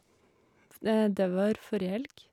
f Det var forrige helg.